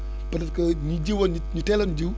peut être que ñi jiwoon ñi teeloon jiw